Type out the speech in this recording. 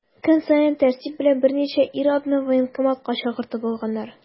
Көн саен тәртип белән берничә ир-атны военкоматка чакыртып алганнар.